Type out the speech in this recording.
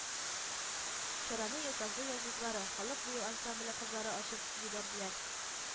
Чараны Ютазы йолдызлары халык бию ансамбле кызлары ачып җибәрделәр